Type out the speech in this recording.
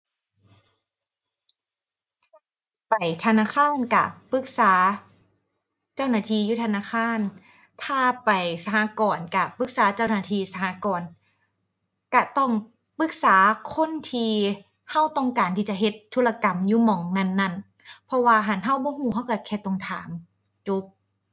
ไปธนาคารก็ปรึกษาเจ้าหน้าที่อยู่ธนาคาร ถ้าไปสหกรณ์ก็ปรึกษาเจ้าหน้าที่สหกรณ์ ก็ต้องปรึกษาคนที่ก็ต้องการที่จะเฮ็ดธุรกรรมอยู่หม้องนั้นนั้น เพราะว่าหั้นก็บ่ก็ ก็ก็แค่ต้องถาม จบ